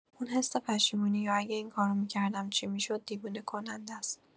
اون حس پشیمونی یا "اگه این کارو می‌کردم چی می‌شد؟ " دیوونه‌کننده‌ست.